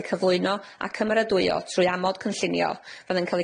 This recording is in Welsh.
eu cyflwyno a cymeradwyo trwy amod cynllunio fydd yn ca'l